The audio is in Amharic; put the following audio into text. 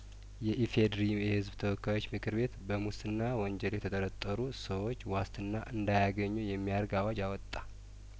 የኢፌድሪ የህዝብ ተወካዮች ምክር ቤት በሙስና ወንጀል የተጠረጠሩ ሰዎች ዋስትና እንዳያገኙ የሚያረግ አዋጅ አወጣ